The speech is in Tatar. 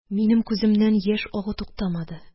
Минем күземнән яшь агу туктамады